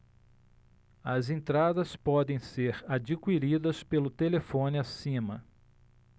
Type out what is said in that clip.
as entradas podem ser adquiridas pelo telefone acima